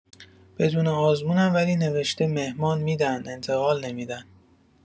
بدون آزمونم ولی نوشته مهمان می‌دن انتقال نمی‌دن